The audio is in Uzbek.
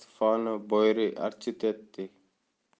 stefano boeri architetti